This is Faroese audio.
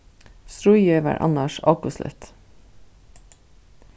stríðið var annars ógvusligt